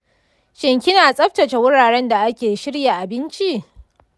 shin kina tsaftace wuraren da ake shirya abinci?